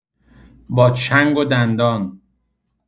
با چنگ و دندان